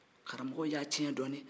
karamɔgɔw y'a tiɲɛ dɔɔni